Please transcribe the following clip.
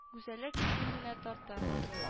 Гүзәллек үзенә тарта